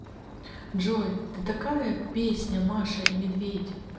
джой ты такая песня маша и медведь